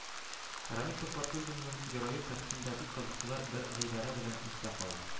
Рамил Төхвәтуллинның герое картинада бик кызыклы бер гыйбарә белән истә кала